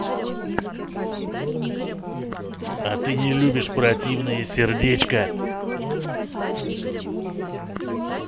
а ты не любишь противные сердечко